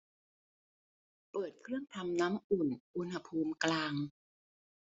เปิดเครื่องทำน้ำอุ่นอุณหภูมิกลาง